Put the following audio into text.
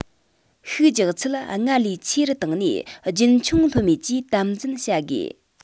ཤུགས རྒྱག ཚད སྔར ལས ཆེ རུ བཏང ནས རྒྱུན འཁྱོངས ལྷོད མེད ཀྱིས དམ འཛིན བྱ དགོས